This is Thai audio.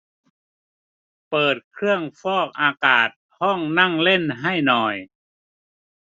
เปิดเครื่องฟอกอากาศห้องนั่งเล่นให้หน่อย